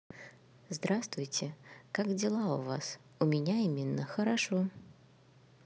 здравствуйте как дела у вас у меня именно хорошо